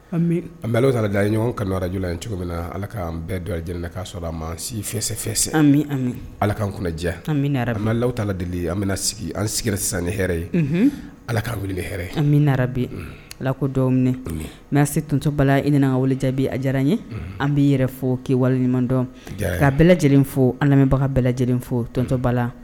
An bɛla ɲɔgɔn kanuj ye cogo min na ala kaan bɛɛ don lajɛlen k'a sɔrɔ ma sisɛ an ala kaan kunnadiya anta deli an bɛna sigi an sigira sisan ni hɛrɛ ye ala kan wuli ni hɛrɛ an bɛra bi lako dɔw n'a se ttoba i ni ka wali jaabi a diyara n ye an b bɛi yɛrɛ fɔ kewaleɲumandɔn ka bɛɛ lajɛlenlen fo an lamɛn bɛbaga bɛɛ lajɛlen fo tɔnontɔbala